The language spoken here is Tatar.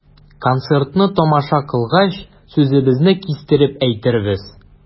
Концертны тамаша кылгач, сүзебезне кистереп әйтербез.